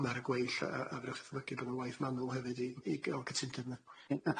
hwnna ar y gweill a a a fydd o'n chythwygiad o'n waith manwl hefyd i i ga'l cytundeb yna.